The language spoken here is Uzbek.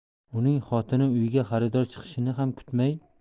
uning xotini uyga xaridor chiqishini ham kutmay